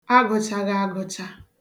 agụ̄chaghị agụcha